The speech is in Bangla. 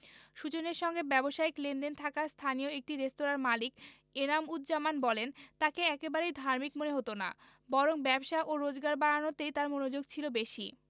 সুজনের সঙ্গে ব্যবসায়িক লেনদেন থাকা স্থানীয় একটি রেস্তোরাঁর মালিক এনাম উজজামান বলেন তাঁকে একেবারেই ধার্মিক মনে হতো না বরং ব্যবসা ও রোজগার বাড়ানোতেই তাঁর মনোযোগ ছিল বেশি